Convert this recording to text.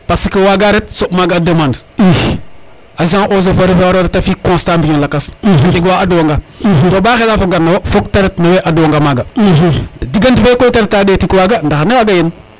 parce que waga ret soɓ maga a demande agent eaux et foret waro ret te fi constat mbiño lakas a jeg wa ad wonga to ba xela fo gar na wo te ret no we ad wonga maga dingante fe koy te reta a ɗetig waga ndaxar ne waga yen